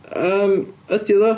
Yym ydi o ddo?